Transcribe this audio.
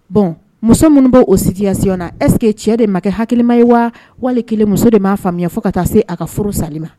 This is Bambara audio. Bɔn muso minnu b' o siyasiy na ɛsseke cɛ de ma kɛ halima ye wa wali kelen muso de b'a faamuyaya fo ka taa se a ka furu sali ma